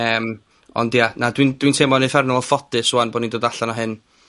Yym. Ond, ia, na, dwi'n dwi'n teimlo'n uffernol o ffodus rŵam bo' ni'n dod allan o hyn.